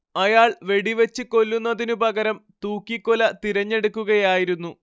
അയാൾ വെടിവച്ച് കൊല്ലുന്നതിനു പകരം തൂക്കിക്കൊല തിരഞ്ഞെടുക്കുകയായിരുന്നു